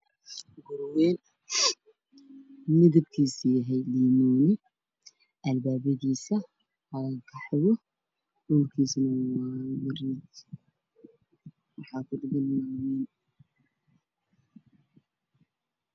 Waa guri ga midabkiisu yahay caddays albaabada way furan yihiin midabkooda waa qaxwi dheer ayaa daaran dhulka waa mutuuleel